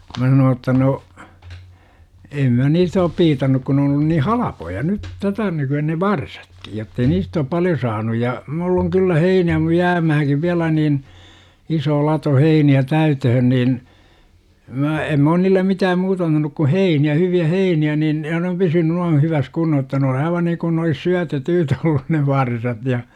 minä sanoin jotta no en minä niistä ole piitannut kun ne on ollut niin halpoja nyt tätä nykyä ne varsatkin jotta ei niistä ole paljon saanut ja minulla on kyllä heinää - jäämäänkin vielä niin iso lato heiniä täyteen niin minä en minä ole niille mitään muuta antanut kuin heiniä hyviä heiniä niin ja ne on pysynyt noin hyvässä kunnossa jotta ne on aivan niin kuin ne olisi - syötettyjä olleet ne varsat ja